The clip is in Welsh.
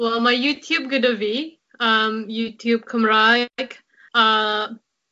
Wel, ma' YouTube gyda fi yym YouTube Cymraeg a